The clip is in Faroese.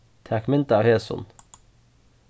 tak mynd av hesum